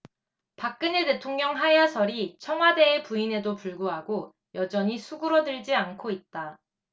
박근혜 대통령 하야설이 청와대의 부인에도 불구하고 여전히 수그러들지 않고 있다